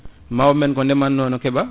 mawɓe men ko ndeemanno no keeɓa